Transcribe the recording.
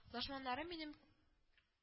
Лашманнарым минем